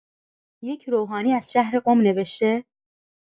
یک روحانی از شهر قم نوشته